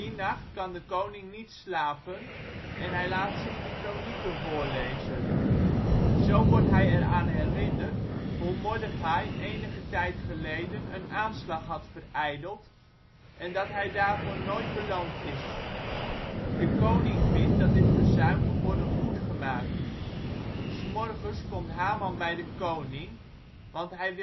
nacht kan de koning niet slapen en hij laat zich de kronieken voorlezen. Zo wordt hij eraan herinnerd hoe Mordechai enige tijd geleden een aanslag had verijdeld, en dat hij daarvoor nooit beloond is. De koning vindt dat dit verzuim moet worden goedgemaakt. ' s Morgens komt Haman bij de koning, want hij